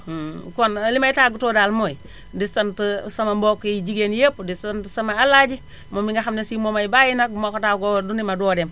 kon li may tàggatoo daal mooy di sant sama mbokk jigéen yépp di sant sama alaaji moom mi nga xam ne si moomay bàyyi nag bu ma ko tàggoo du ne ma doo dem